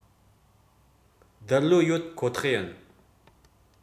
རྡུལ གློ ཡོད ཁོ ཐག ཡིན